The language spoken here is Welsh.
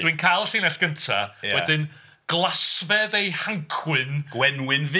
Dwi'n cael y llinell gynta... ia. ...wedyn glasfedd eu hancwyn... gwenwyn fu.